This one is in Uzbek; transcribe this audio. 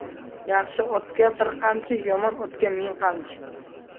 yaxshi otga bir qamchi yomon otga ming qamchi